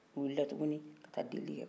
u wulila tuguni ka taa deli kɛ